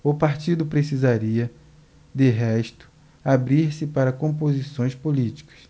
o partido precisaria de resto abrir-se para composições políticas